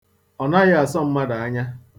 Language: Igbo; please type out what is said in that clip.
Ọ naghị asọ mmadụ anya.